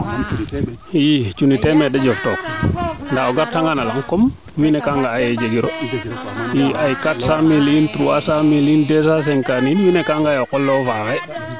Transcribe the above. i cunni temeen a jof took nda o gar ta ngan a lang comme wiin we ga nga aye jeguro ay 400 mille 300 mille i n 250 yiin wiin we ka nga aye o qol lewo faaxe